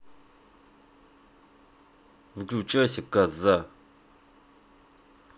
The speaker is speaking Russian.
выключайся коза